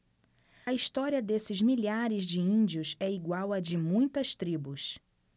a história desses milhares de índios é igual à de muitas tribos